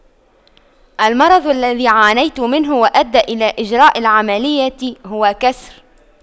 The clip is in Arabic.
المرض الذي عانيت منه وأدى إلى إجراء العملية هو كسر